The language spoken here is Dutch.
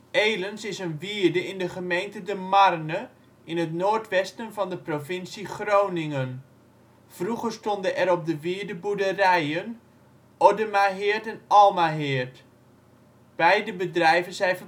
Elens is een wierde in de gemeente De Marne in het noordwesten van de provincie Groningen. Vroeger stonden op de wierde boerderijen: Oddemaheerd en Almaheerd. Beide bedrijven zijn